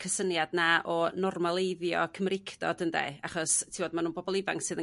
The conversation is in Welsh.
cysyniad 'na o normaleiddio Cymreicdod ynde? Achos t'od ma' n'w yn bobol ifanc sydd yn